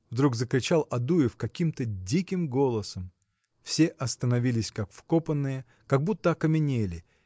– вдруг закричал Адуев каким-то диким голосом. Все остановились как вкопанные как будто окаменели